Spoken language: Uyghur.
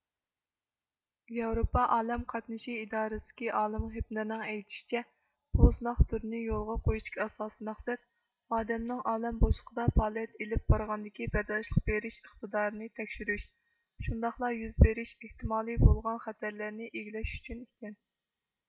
ياۋروپا ئالەم قاتنىشى ئىدارىسىدىكى ئالىم خېپنېرنىڭ ئېيتىشىچە بۇ سىناق تۈرىنى يولغا قويۇشتىكى ئاساسىي مەقسەت ئادەمنىڭ ئالەم بوشلۇقىدا پائالىيەت ئېلىپ بارغاندىكى بەرداشلىق بېرىش ئىقتىدارىنى تەكشۈرۈش شۇنداقلا يۈز بېرىش ئېھتىمالى بولغان خەتەرلەرنى ئىگىلەش ئۈچۈن ئىكەن